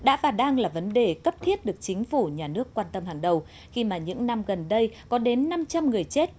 đã và đang là vấn đề cấp thiết được chính phủ nhà nước quan tâm hàng đầu khi mà những năm gần đây có đến năm trăm người chết